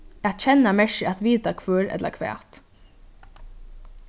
at kenna merkir at vita hvør ella hvat